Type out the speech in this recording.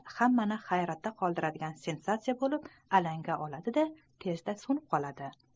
hammani hayratda qoldiradigan sensatsiya bo'lib alanga oladi da tezda so'nib qoladi